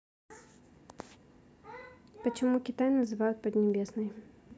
почему китай называют поднебесной